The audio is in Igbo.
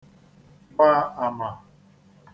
gba àmà